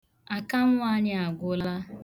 Akanwụ anyị agwụla.